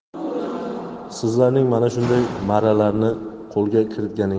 sizlarning mana shunday marralarni qo'lga